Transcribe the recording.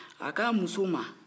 a ko a musow man